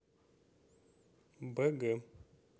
б г